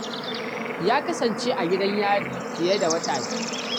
Ya kasance a gidan Yari fiye da wata biyu.